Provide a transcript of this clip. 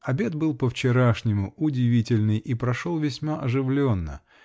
Обед был, по-вчерашнему, удивительный и прошел весьма оживленно.